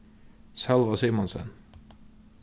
sólvá simonsen